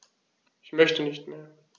Ich möchte nicht mehr.